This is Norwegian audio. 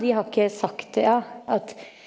de har ikke sagt ja at.